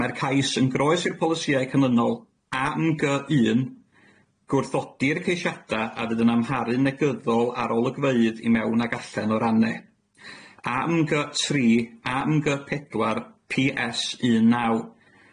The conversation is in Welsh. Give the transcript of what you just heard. Mae'r cais yn groes i'r polisïau canlynol: A M Gy un, gwrthodir ceisiada a fydd yn amharu'n negyddol ar olygfeydd i mewn ac allan o'r AHNE; A M Gy tri; A M Gy pedwar; Pee Ess un naw.